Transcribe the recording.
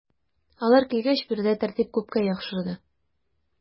Алар килгәч биредә тәртип күпкә яхшырды.